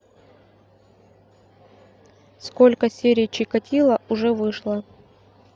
сколько серий чикатило уже вышло